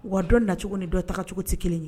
Wa dɔn nacogo ni dɔ tagacogo tɛ kelen ye